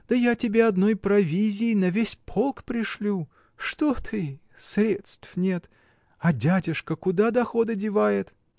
Да я тебе одной провизии на весь полк пришлю! Что ты. средств нет! А дядюшка куда доходы девает?